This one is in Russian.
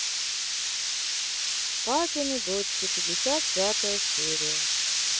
папины дочки пятьдесят пятая серия